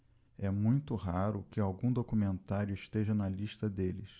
é muito raro que algum documentário esteja na lista deles